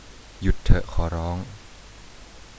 หยุดเถอะขอร้อง